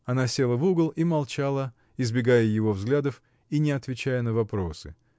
Она села в угол и молчала, избегая его взглядов и не отвечая на вопросы.